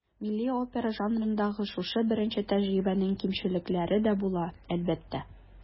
Милли опера жанрындагы шушы беренче тәҗрибәнең кимчелекләре дә була, әлбәттә.